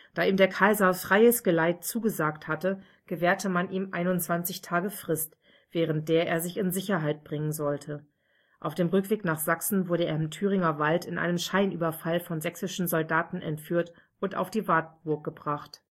Da ihm der Kaiser freies Geleit zugesagt hatte, gewährte man ihm 21 Tage Frist, während der er sich in Sicherheit bringen sollte. Auf dem Rückweg nach Sachsen wurde er im Thüringer Wald in einem Scheinüberfall von sächsischen Soldaten entführt und auf die Wartburg gebracht